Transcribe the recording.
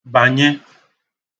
bànye